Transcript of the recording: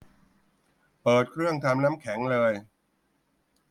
เปิดเครื่องทำน้ำแข็งเลย